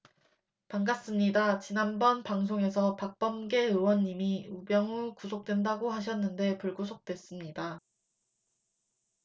반갑습니다 지난번 방송에서 박범계 의원님이 우병우 구속된다고 하셨는데 불구속됐습니다